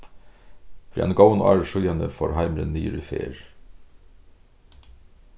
fyri einum góðum ári síðani fór heimurin niður í ferð